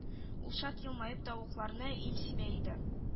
Ул шат елмаеп тавыкларына им сибә иде